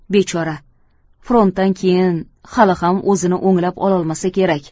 bechora frontdan keyin hali ham o'zini o'nglab ololmasa kerak